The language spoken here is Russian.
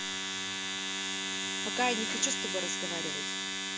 пока я не хочу с тобой разговаривать